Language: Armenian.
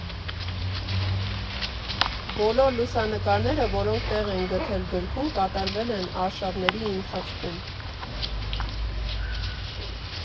Բոլոր լուսանկարները, որոնք տեղ են գտել գրքում, կատարվել են արշավների ընթացքում։